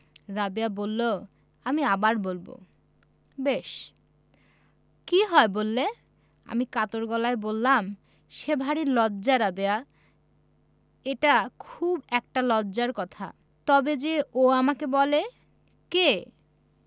রাবেয়া বললো আমি আবার বলবো বেশ কি হয় বললে আমি কাতর গলায় বললাম সে ভারী লজ্জা রাবেয়া এটা খুব একটা লজ্জার কথা তবে যে ও আমাকে বলে কে